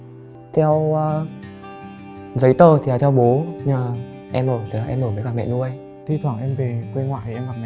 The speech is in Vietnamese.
theo giấy tờ thì là theo bố nhưng mà em ở thì ở với bà mẹ nuôi thi thoảng em về quê ngoại em gặp mẹ